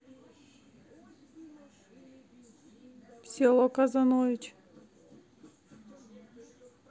село казанович